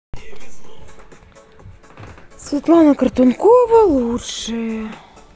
светлана картункова лучшее